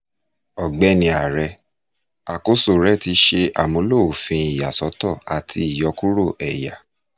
Ọ̀gbẹ́ni ààrẹ, àkósoò rẹ ti ṣe àmúlò òfin ìyàsọ́tọ̀ àti ìyọkúrò ẹ̀yà.